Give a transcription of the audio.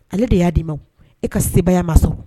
Ale de y'a dii ma e ka seya ma sɔn